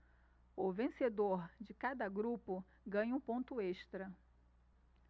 o vencedor de cada grupo ganha um ponto extra